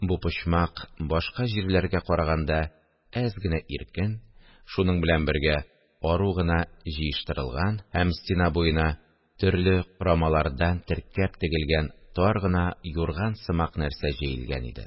Бу почмак башка җирләргә караганда әз генә иркен, шуның белән бергә ару гына җыештырылган һәм стена буена төрле корамалардан теркәп тегелгән тар гына юрган сымак нәрсә җәелгән иде